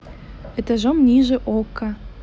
этажом ниже okko